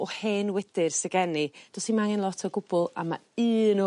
o hen wydyr sy gen i do's s'im angen lot o gwbwl a ma' un o